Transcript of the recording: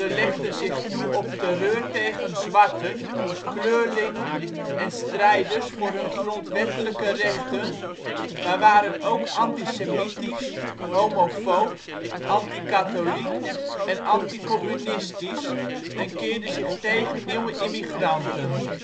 legden zich toe op terreur tegen zwarten, kleurlingen en strijders voor hun grondwettelijke rechten, maar waren ook antisemitisch, homofoob, anti-katholiek en anticommunistisch en keerden zich tegen nieuwe immigranten